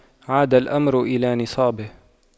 عاد الأمر إلى نصابه